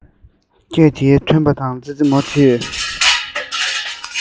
སྐད དེ ཐོས པ དང ཙི ཙི མོ དེ